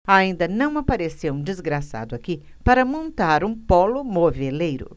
ainda não apareceu um desgraçado aqui para montar um pólo moveleiro